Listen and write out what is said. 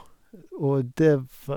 Og det va...